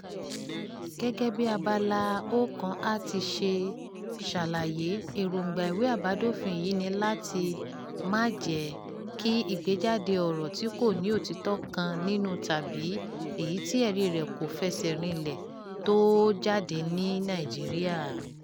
Gẹ́gẹ́ bí Abala 1A ti ṣe ṣàlàyé, èròńgbà ìwé àbádòfin yìí ni láti "[máà jẹ́] kí ìgbéjáde ọ̀rọ̀ tí kò ní òtítọ́ kan nínú tàbí èyí tí ẹ̀ríi rẹ̀ kò f'ẹsẹ̀ rinlẹ̀ tó ó jáde ní Nàìjíríà".